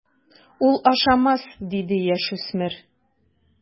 Ул ашамас, - диде яшүсмер.